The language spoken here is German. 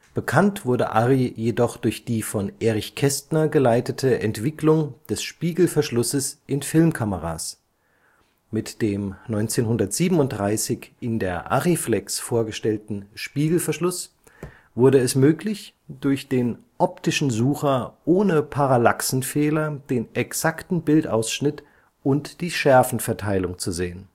Bekannt wurde Arri jedoch durch die von Erich Kästner geleitete Entwicklung des Spiegelverschlusses in Filmkameras. Mit dem 1937 in der Arriflex vorgestellten Spiegelverschluss wurde es möglich, durch den optischen Sucher ohne Parallaxenfehler den exakten Bildausschnitt und die Schärfenverteilung zu sehen